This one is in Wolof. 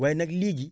waaye nag léegi